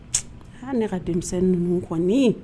Aa ne ka denmisɛnnin ninnu kɔn